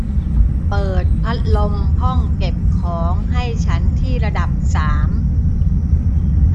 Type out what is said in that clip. เปิดพัดลมห้องเก็บของให้ฉันที่ระดับสาม